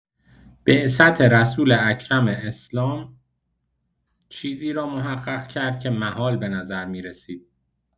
بعثت رسول اکرم اسلام چیزی را محقق کرد که محال به نظر می‌رسید.